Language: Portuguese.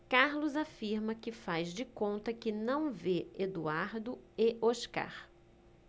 carlos afirma que faz de conta que não vê eduardo e oscar